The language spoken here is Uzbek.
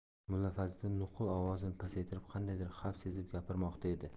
mulla fazliddin nuqul ovozini pasaytirib qandaydir xavf sezib gapirmoqda edi